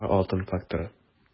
Кара алтын факторы